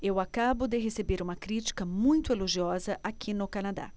eu acabo de receber uma crítica muito elogiosa aqui no canadá